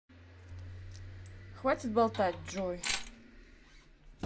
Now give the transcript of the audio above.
хватит болтать джой